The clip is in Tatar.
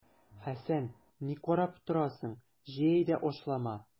Хәсән, ни карап торасың, җый әйдә ашлама!